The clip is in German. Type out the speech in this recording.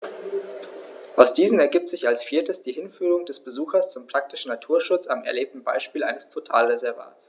Aus diesen ergibt sich als viertes die Hinführung des Besuchers zum praktischen Naturschutz am erlebten Beispiel eines Totalreservats.